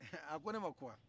a ko ne ma kɔgɔ